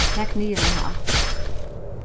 tak niður eina app